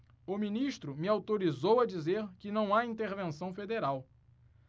o ministro me autorizou a dizer que não há intervenção federal